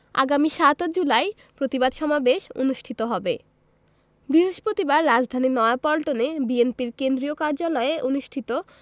আগামী ৭ জুলাই প্রতিবাদ সমাবেশ অনুষ্ঠিত হবে বৃহস্পতিবার রাজধানীর নয়াপল্টনে বিএনপির কেন্দ্রীয় কার্যালয়ে অনুষ্ঠিত